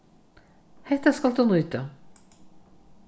hetta skalt tú nýta